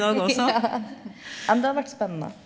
ja, men det hadde vært spennende.